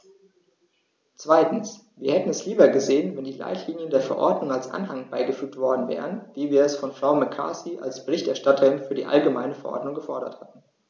Zweitens: Wir hätten es lieber gesehen, wenn die Leitlinien der Verordnung als Anhang beigefügt worden wären, wie wir es von Frau McCarthy als Berichterstatterin für die allgemeine Verordnung gefordert hatten.